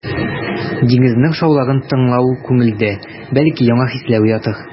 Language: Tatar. Диңгезнең шаулавын тыңлау күңелдә, бәлки, яңа хисләр уятыр.